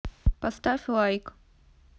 поставить лайк